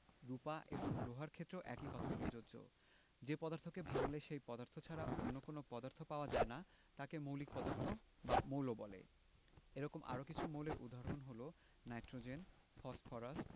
রুপা এবং লোহার ক্ষেত্রেও একই কথা প্রযোজ্য যে পদার্থকে ভাঙলে সেই পদার্থ ছাড়া অন্য কোনো পদার্থ পাওয়া যায় না তাকে মৌলিক পদার্থ বা মৌল বলে এরকম আরও কিছু মৌলের উদাহরণ হলো নাইট্রোজেন ফসফরাস